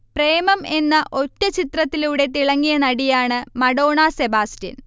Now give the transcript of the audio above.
പ്രേമം എന്ന ഒറ്റചിത്രത്തിലൂടെ തിളങ്ങിയ നടിയാണ് മഡോണ സെബാസ്റ്റ്യൻ